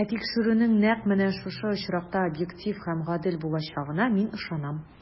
Ә тикшерүнең нәкъ менә шушы очракта объектив һәм гадел булачагына мин ышанам.